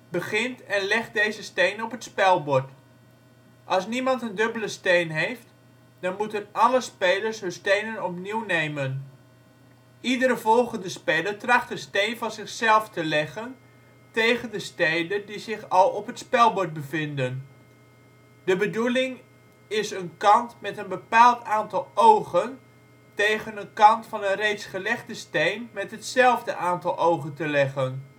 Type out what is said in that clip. begint en legt deze steen op het spelbord. Als niemand een dubbele steen heeft, dan moeten alle spelers hun stenen opnieuw nemen. Iedere volgende speler tracht een steen van zichzelf te leggen tegen de stenen die zich al op het spelbord bevinden: De bedoeling is een kant met een bepaald aantal ogen tegen een kant van een reeds gelegde steen met hetzelfde aantal ogen te leggen